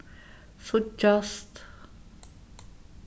síggjast